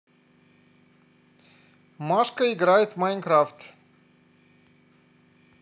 машка играет в майнкрафт